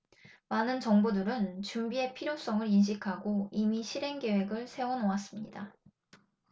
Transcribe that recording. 많은 정부들은 준비의 필요성을 인식하고 이미 실행 계획을 세워 놓았습니다